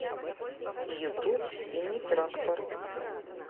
ютуб синий трактор